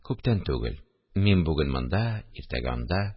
– күптән түгел, мин бүген монда, иртәгә анда